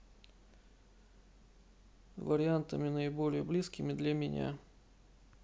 вариантами наиболее близкими для меня